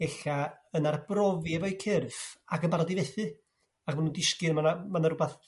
ella yn arbrofi efo'u cyrff ac yn barod i fethu, ac ma' nhw'n disgyn a ma' 'na ma' 'na r'wbath